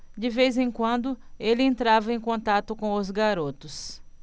de vez em quando ele entrava em contato com os garotos